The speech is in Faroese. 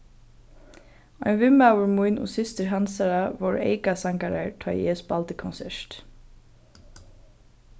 ein vinmaður mín og systir hansara vóru eykasangarar tá ið eg spældi konsert